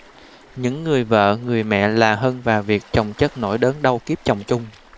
những người vợ người mẹ là hân và việt chồng chất nỗi đớn đau kiếp chồng chung